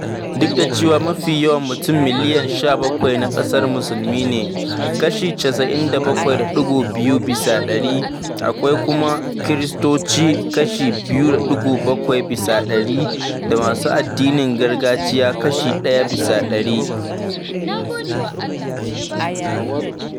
Duk da cewa mafi yawan mutum miliyan 17 na ƙasar Musulmi ne(kashi 97.2 bisa ɗari), akwai kuma Kiristoci (kashi 2.7 bisa ɗari) da masu addinin gargajiya (kashi 1 bisa ɗari).